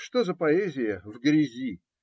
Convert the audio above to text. Что за поэзия в грязи!